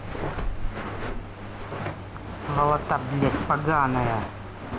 сволота блядь поганая